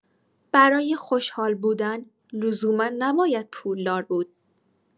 برای خوش‌حال بودن لزوما نباید پولدار بود.